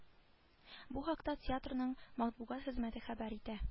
Бу хакта театрның матбугат хезмәте хәбәр итә